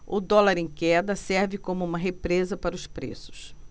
o dólar em queda serve como uma represa para os preços